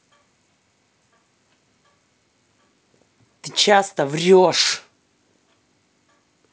ты часто врешь